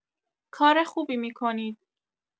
کار خوبی می‌کنید